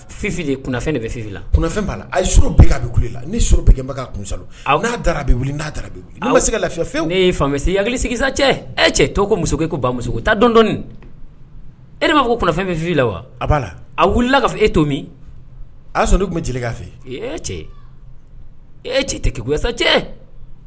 Ma lafi fɛn fa ya cɛ cɛ tɔgɔ muso bamuso taa dɔn e m maa kofɛn bɛ fi la wa a b'a la a wili e to min a y sɔrɔ ne tun bɛ j fɛ cɛ cɛ tɛ cɛ